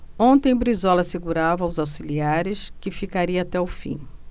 ontem brizola assegurava aos auxiliares que ficaria até o fim